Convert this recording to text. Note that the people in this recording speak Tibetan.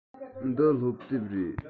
འདི སློབ དེབ རེད